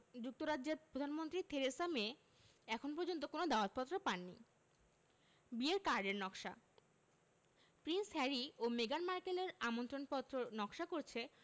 যুক্তরাজ্যের প্রধানমন্ত্রী Theresa May এখন পর্যন্ত কোনো দাওয়াতপত্র পাননি বিয়ের কার্ডের নকশা প্রিন্স হ্যারি ও মেগান মার্কেলের আমন্ত্রণপত্র নকশা করছে